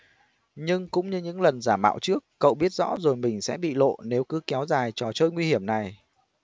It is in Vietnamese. nhưng cũng như những lần giả mạo trước cậu biết rõ rồi mình sẽ bị lộ nếu cứ kéo dài trò chơi nguy hiểm này